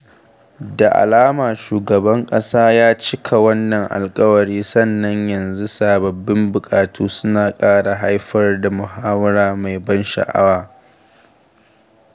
Da alama shugaban ƙasa ya cika wannan alƙawari sannan yanzu sababbin buƙatu suna ƙara haifar da muhawara mai ban sha'awa.